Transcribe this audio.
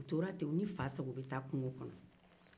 u tora ten u ni fasago bɛ taa kungo kɔnɔ